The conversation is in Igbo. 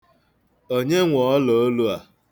Onye nwe ọlaolu a?